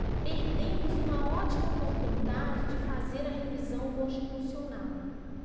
perdemos uma ótima oportunidade de fazer a revisão constitucional